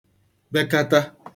bekàta